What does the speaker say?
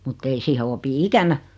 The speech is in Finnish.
mutta ei siihen opi ikänä